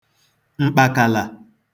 m̀kpàkàlà